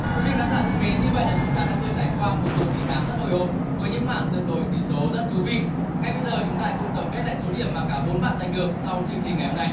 vị khán giả thân mến như vậy là chúng ta đã vừa trải qua một cuộc thi tháng rất hồi hộp với những màn rượt đuổi tỷ số rất thú vị ngay bây giờ chúng ta hãy cùng tổng kết lại số điểm mà cả bốn bạn giành được sau chương trình ngày hôm nay